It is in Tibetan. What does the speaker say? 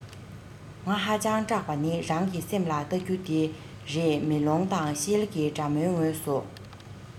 ང ཧ ཅང སྐྲག པ ནི རང གི སེམས ལ བལྟ རྒྱུ དེ རེད མེ ལོང དང ཤེལ གྱི དྲ མའི ངོས སུ